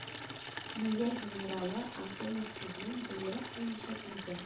Мия генералы антонов сезнең боерык буенча килде